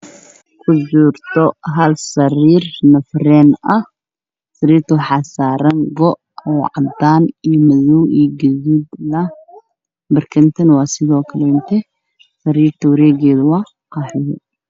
Ku jirto hal sariir. Sariir nafarayn ah sariirta waxaa saaran go' cadaan madow iyo gaduud barkintadne waa sidoo kaleete sariirta wareegeeda waa qaxwi.